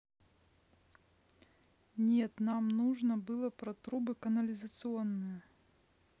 нет нам нужно было про трубы канализационные